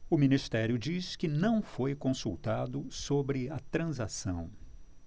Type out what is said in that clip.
o ministério diz que não foi consultado sobre a transação